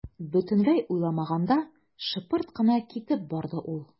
Бөтенләй уйламаганда шыпырт кына китеп барды ул.